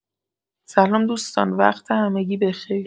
سلام دوستان وقت همگی بخیر